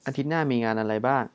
อาทิตย์หน้ามีงานอะไรบ้าง